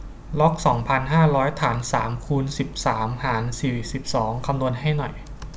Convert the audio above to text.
ล็อกสองพันห้าร้อยฐานสามคูณสิบสามหารสี่สิบสองคำนวณให้หน่อย